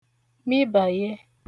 mịbàye